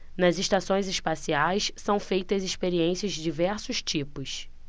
nas estações espaciais são feitas experiências de diversos tipos